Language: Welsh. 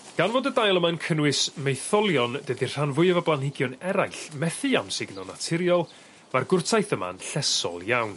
Gan fod y dail yma'n cynnwys maetholion dydi'r rhan fwyaf o blanhigion eraill methu amsugno'n naturiol ma'r gwrtaith yma'n llesol iawn.